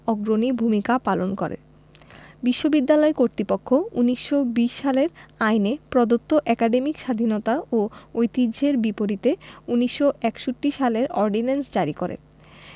অগ্রণী ভূমিকা পালন করে বিশ্ববিদ্যালয় কর্তৃপক্ষ ১৯২০ সালের আইনে প্রদত্ত একাডেমিক স্বাধীনতা ও ঐতিহ্যের বিপরীতে ১৯৬১ সালের অর্ডিন্যান্স জারি করে